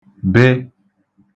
be